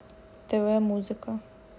тв музыка